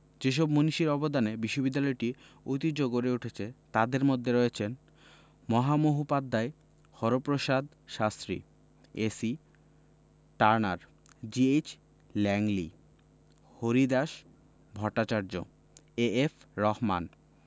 যেসব মনীষীর অবদানে বিশ্ববিদ্যালয়টির ঐতিহ্য গড়ে উঠেছে তাঁদের মধ্যে রয়েছেন মহামহোপাধ্যায় Haraprasad Shastri A C Turner G H Langley Haridas Bhattacharya A F Rahman